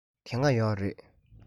དེ སྔ ཡོད རེད